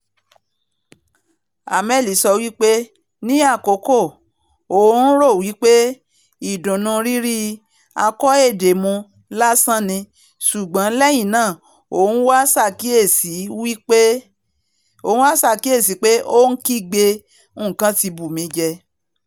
nkan ti bù mí jẹ!'